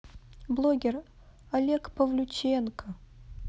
блогер олег павлюченко